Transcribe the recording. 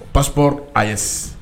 O'sp a ye